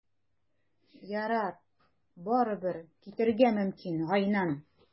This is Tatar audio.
Ярар, барыбер, китәргә мөмкин, Гайнан.